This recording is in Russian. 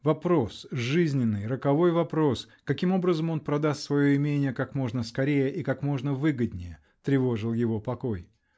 вопрос, жизненный, роковой вопрос: каким образом он продаст свое имение как можно скорее и как можно выгоднее -- тревожил его покой.